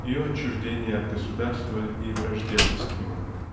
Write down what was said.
ее отчуждение от государства и враждебность к нему.